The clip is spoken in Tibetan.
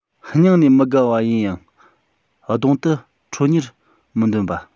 སྙིང ནས མི དགའ བ ཡིན ཡང གདོང དུ ཁྲོ གཉེར མི འདོན པ